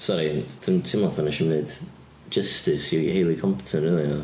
Sori, dwi'n teimlo fatha wnes i ddim wneud justice i Hayley Compton yn fan'na ia.